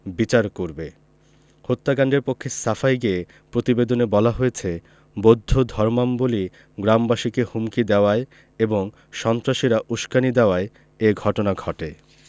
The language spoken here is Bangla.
বিচার করবে হত্যাকাণ্ডের পক্ষে সাফাই গেয়ে প্রতিবেদনে বলা হয়েছে বৌদ্ধ ধর্মাবলম্বী গ্রামবাসীকে হুমকি দেওয়ায় এবং সন্ত্রাসীরা উসকানি দেওয়ায় এ ঘটনা ঘটে